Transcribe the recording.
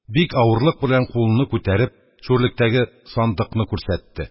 Бик авырлык берлән кулыны күтәреп, шүрлектәге сандыкны күрсәтте.